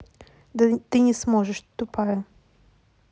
да ты не сможешь ты тупая